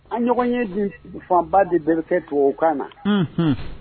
An ɲɔgɔn ye di fanba de bɛɛ kɛ tu kan na